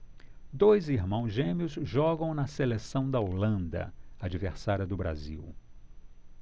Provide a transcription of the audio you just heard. dois irmãos gêmeos jogam na seleção da holanda adversária do brasil